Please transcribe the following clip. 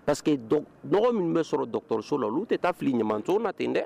Pa que dɔgɔ minnu bɛ sɔrɔ dɔgɔtɔrɔso la olu tɛ taa fili ɲamamanso na ten dɛ